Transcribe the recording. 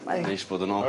...mae... Neis bod yn ôl.